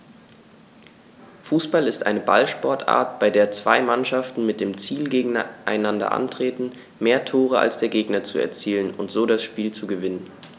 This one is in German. Fußball ist eine Ballsportart, bei der zwei Mannschaften mit dem Ziel gegeneinander antreten, mehr Tore als der Gegner zu erzielen und so das Spiel zu gewinnen.